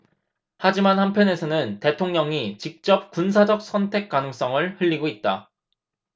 하지만 한편에서는 대통령이 직접 군사적 선택 가능성을 흘리고 있다